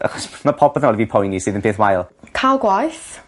achos ma' popeth yn yla fi poeni sydd yn peth wael. Ca'l gwaith